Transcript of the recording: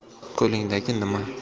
qo'lingdagi nima